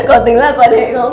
có tính là quan hệ không